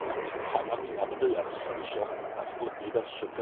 A p- pam ar wyneb y ddaear fysa ni isio datblygu fersiwn